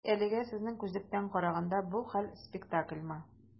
Тик әлегә, сезнең күзлектән караганда, бу хәл - спектакльмы?